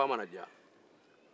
a ko a mana ja